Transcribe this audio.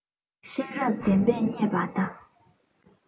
ཤེས རབ ལྡན པས ཉེས པ དག